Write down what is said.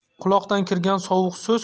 quloqdan kirgan sovuq so'z